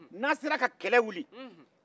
n'aw sera ka kɛlɛ wuli